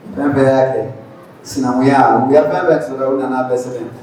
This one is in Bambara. Fɛn o fɛn y'a kɛ, sinankunya, u ye fɛn o fɛn sɔrɔ yen u nana bɛ sɛbɛn